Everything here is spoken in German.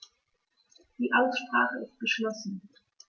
Die Aussprache ist geschlossen.